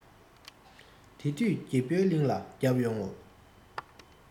དེ དུས འགྱོད པའི གླིང ལ བརྒྱབ ཡོང ངོ